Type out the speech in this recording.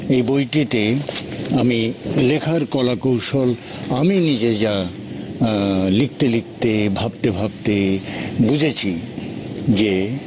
এ বইটিতে আমি লেখার কলাকৌশল আমি নিজে যা লিখতে লিখতে ভাবতে ভাবতে বুঝেছি যে